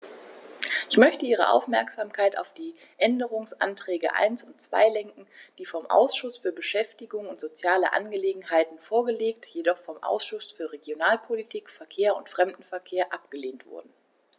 Ich möchte Ihre Aufmerksamkeit auf die Änderungsanträge 1 und 2 lenken, die vom Ausschuss für Beschäftigung und soziale Angelegenheiten vorgelegt, jedoch vom Ausschuss für Regionalpolitik, Verkehr und Fremdenverkehr abgelehnt wurden.